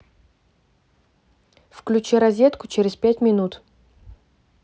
включи розетку через пять минут